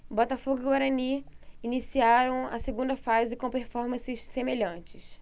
botafogo e guarani iniciaram a segunda fase com performances semelhantes